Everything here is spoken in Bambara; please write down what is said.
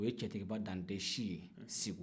o ye cɛtigiba dantɛ si ye segu